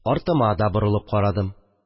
Артыма да борылып карадым